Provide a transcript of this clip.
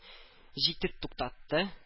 Җитеп туктатты